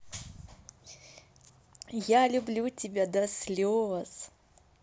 я люблю тебя до слез